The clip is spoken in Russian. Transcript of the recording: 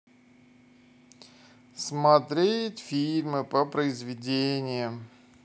смотреть фильмы по произведениям